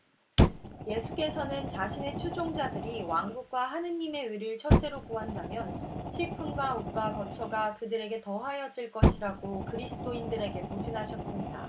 예수께서는 자신의 추종자들이 왕국과 하느님의 의를 첫째로 구한다면 식품과 옷과 거처가 그들에게 더하여질 것이라고 그리스도인들에게 보증하셨습니다